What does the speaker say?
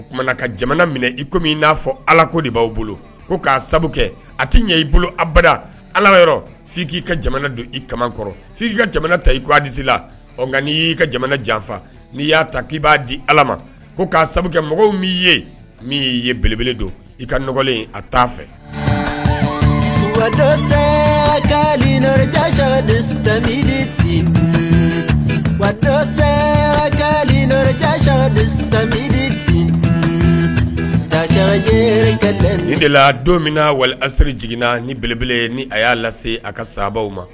O tumana ka jamana minɛ i komi min i n'a fɔ ala ko de b'aw bolo ko k'a kɛ a tɛ ɲɛ' bolo abada ala yɔrɔ' k'i ka jamana don i kakɔrɔ f k'i ka jamana ta i k'a disi la ɔ nka n'i y'i ka jamana janfa n'i y'a ta k'i b'a di ala ma ko k'a kɛ mɔgɔw b'i ye min y'i ye belebele don i ka nɔgɔlen a t' fɛ jali ja de la don min wali aseri jiginna ni belebele ni a y'a lase a ka sababu ma